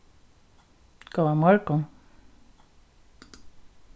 góðan morgun